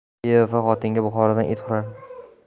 beva xotinga buxorodan it hurar